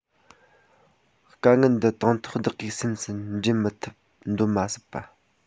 དཀའ གནད འདི དང ཐོག བདག གིས སེམས སུ འགྲེལ མི ཐུབ འདོད པ མ ཟད